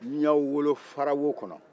n y'aw wolo farawo kɔnɔ